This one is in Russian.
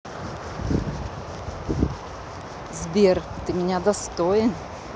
сбер ты меня достоин